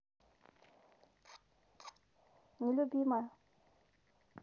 нелюбимая